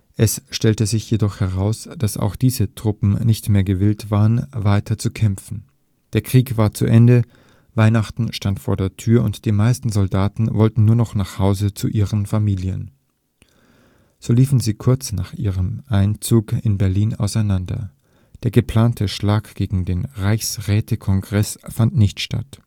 Es stellte sich jedoch heraus, dass auch diese Truppen nicht mehr gewillt waren, weiter zu kämpfen. Der Krieg war zu Ende, Weihnachten stand vor der Tür, und die meisten Soldaten wollten nur noch nach Hause zu ihren Familien. So liefen sie kurz nach ihrem Einzug in Berlin auseinander. Der geplante Schlag gegen den Reichsrätekongress fand nicht statt